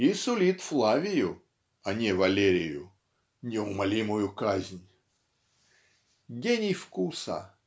) и) сулит Флавию (а не "Валерию") "неумолимую казнь". Гений вкуса